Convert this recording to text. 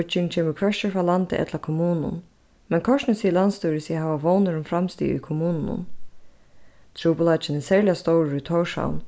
fígging kemur hvørki frá landi ella kommunum men kortini sigur landsstýrið seg hava vónir um framstig í kommununum trupulleikin er serliga stórur í tórshavn